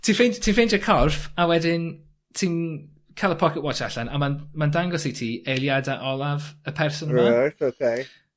ti'n ffeind- ti'n ffeindio corff a wedyn ti''n ca'l y pocket watch allan a ma'n ma'n dangos i ti eiliade olaf y person yna. Reit oce.